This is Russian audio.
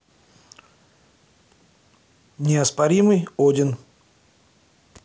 неоспоримый один